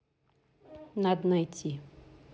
надо найти